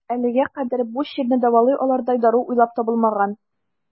Әлегә кадәр бу чирне дәвалый алырдай дару уйлап табылмаган.